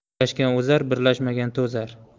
birlashgan o'zar birlashmagan to'zar